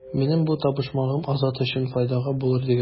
Минем бу табышмагым Азат өчен файдага булыр дигән идем.